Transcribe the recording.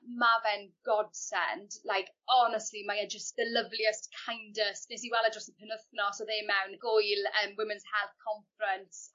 ...ma' fe'n godsend like honestly mae e jyst the loveliest kindest nes i wel e dros y penwthnos o'dd e mewn gwyl yym women's health conference